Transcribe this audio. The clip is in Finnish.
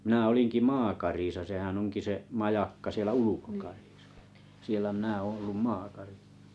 minä olinkin maakarissa sehän onkin se majakka siellä ulkokarissa siellä minä olen ollut maakarissa